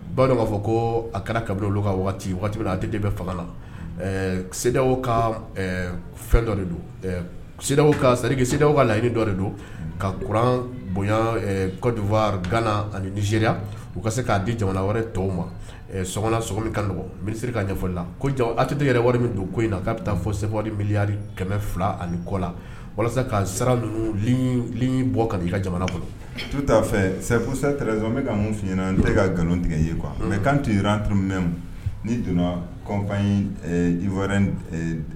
Ba b'a fɔ ko a kɛra kabila ka waati waati a de bɛ fanga seda ka fɛn dɔ don karikeda ka la dɔ don ka kuran bonya kɔdwa gana aniz u se k'a di jamana wɛrɛ tɔw ma so min ka minisiri ka ɲɛfɔlila ko a tɛ tɛgɛɛrɛ wari min don ko in na k'a bɛ taa fɔ se mi kɛmɛ fila ani kɔ la walasa ka sara ninnuli bɔ ka i ka jamana kɔnɔ tu fɛ sɛ ka mun f n tɛ ka nkalon tigɛ kuwa mɛ kan jiraran ni donna kɔn wɛrɛ